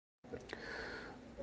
u anoyi emas bu